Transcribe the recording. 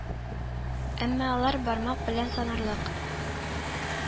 Әмма алар бармак белән санарлык